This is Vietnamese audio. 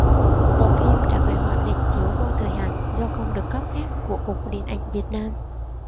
bộ phim đã phải hoãn lịch chiếu vô thời hạn do không được cấp phép của cục điện ảnh việt nam